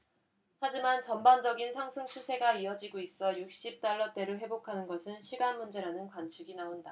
하지만 전반적인 상승 추세가 이어지고 있어 육십 달러대를 회복하는 것은 시간문제라는 관측이 나온다